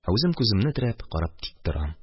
Ә үзем, күземне терәп, карап тик торам.